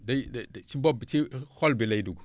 day day si bopp bi si xol bi lay dugg